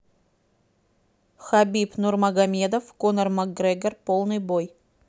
хабиб нурмагомедов конор макгрегор полный бой